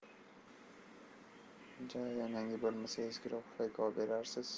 jayam yangi bo'lmasa eskiroq pufayka oberarsiz